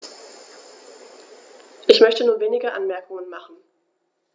Ich möchte nur wenige Anmerkungen machen.